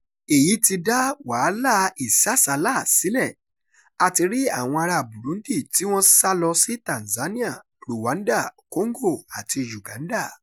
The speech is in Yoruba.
Èyí ti dá wàhálà ìsásàálà sílẹ̀, a ti rí àwọn ará Burundi tí wọ́n sá lọ sí Tanzania, Rwanda, Congo àti Uganda.